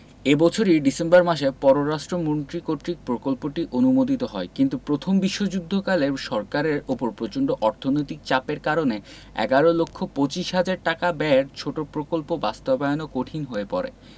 এ বছরই ডিসেম্বর মাসে পররাষ্ট্র মন্ত্রী কর্তৃক প্রকল্পটি অনুমোদিত হয় কিন্তু প্রথম বিশ্বযুদ্ধকালে সরকারের ওপর প্রচন্ড অর্থনৈতিক চাপের কারণে এগারো লক্ষ পচিশ হাজার টাকা ব্যয়ের ছোট প্রকল্প বাস্তবায়নও কঠিন হয়ে পড়ে